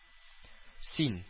Син